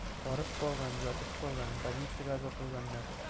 Арып калган, ятып калган, больницага озатылганнар.